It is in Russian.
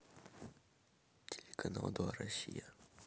телеканал два россия